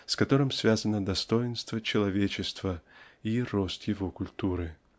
с которым связано достоинство человечества и рост его культуры.